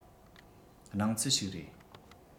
སྣང ཚུལ ཞིག རེད